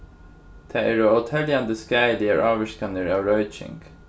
tað eru óteljandi skaðiligar ávirkanir av royking